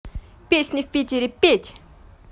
песни в питере пить